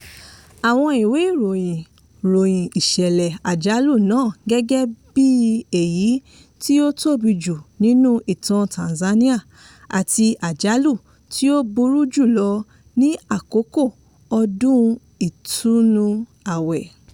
Àwọn ìwé ìròyìn ròyìn ìṣẹ̀lẹ̀ àjálù náà gẹ́gẹ́ bíi èyí tí ó "tóbi jùlọ nínú ìtàn Tanzania" àti "àjálù tí ó burú jùlọ ní àkókò ọdún Ìtúnu àwẹ̀".